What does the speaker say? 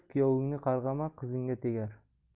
kuyovingni qarg'ama qizingga tegar